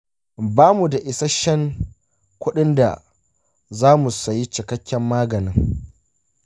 ba mu da isasshen kuɗin da za mu sayi cikakken maganin.